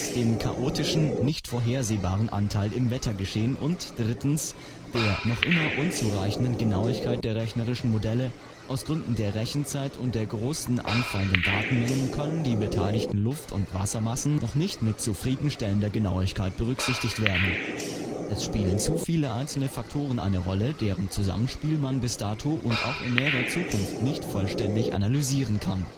dem chaotischen (nicht vorhersehbaren) Anteil im Wettergeschehen der (noch immer) unzureichenden Genauigkeit der rechnerischen Modelle: aus Gründen der Rechenzeit und der großen anfallenden Datenmengen können die beteiligten Luft - und Wassermassen noch nicht mit zufriedenstellender Genauigkeit berücksichtigt werden. Es spielen zu viele einzelne Faktoren eine Rolle, deren Zusammenspiel man bis dato und auch in näherer Zukunft nicht vollständig analysieren kann